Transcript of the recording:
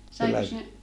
saikos ne